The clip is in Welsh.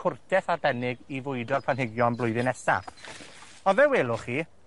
cwrteth arbennig i fwydo'r planhigion blwyddyn nesa. Ond fel welwch chi,